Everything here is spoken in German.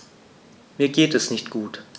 Mir geht es nicht gut.